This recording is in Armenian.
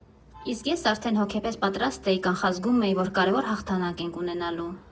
Իսկ ես արդեն հոգեպես պատրաստ էի, կանխազգում էի, որ կարևոր հաղթանակ ենք ունենալու։